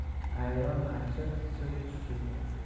ayron achchiq sut chuchuk